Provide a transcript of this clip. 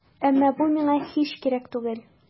Әмма бу миңа һич кирәк түгел.